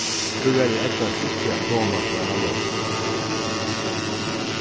tíverri eydnaðist ikki at koma til eina loysn